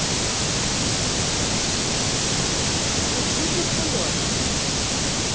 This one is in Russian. хочу в вертолет